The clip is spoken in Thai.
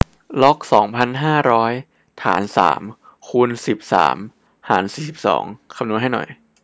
ล็อกสองพันห้าร้อยฐานสามคูณสิบสามหารสี่สิบสองคำนวณให้หน่อย